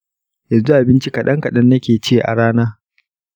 yanzu abinci kaɗan-kaɗan nake ci a rana.